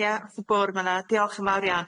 ia wrth y bwrdd yn fana, diolch yn fawr ia.